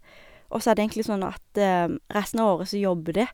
Og så er det egentlig sånn at resten av året så jobber de.